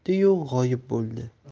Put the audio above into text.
o'qitdi yu g'oyib bo'ldi